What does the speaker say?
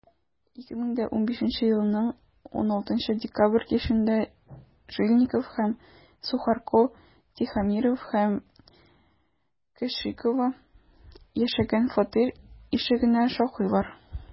2015 елның 16 декабрь кичендә жильников һәм сухарко тихомиров һәм кешикова яшәгән фатир ишегенә шакыйлар.